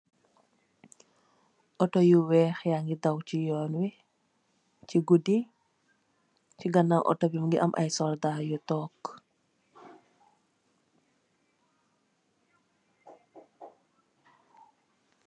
Autor yu wekh yaangy daw chi yon wii, chi gudi, chi ganaw autor bii mungy am aiiy soldarre yu tok.